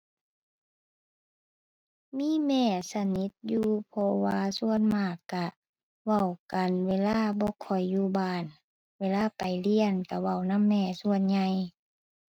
มีแม่สนิทอยู่ เพราะว่าส่วนมากก็เว้ากันเวลาบ่ค่อยอยู่บ้าน เวลาไปเรียนก็เว้านำแม่ส่วนใหญ่